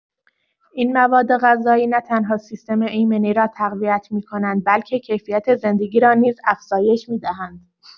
این موادغذایی نه‌تنها سیستم ایمنی را تقویت می‌کنند، بلکه کیفیت زندگی را نیز افزایش می‌دهند.